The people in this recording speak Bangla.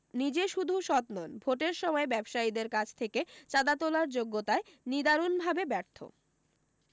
নিজে শুধু সত নন ভোটের সময় ব্যবসায়ীদের কাছ থেকে চাঁদা তোলার যোগ্যতায় নিদারুণ ভাবে ব্যর্থ